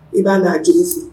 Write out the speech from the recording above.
I b'a n'a jogo suit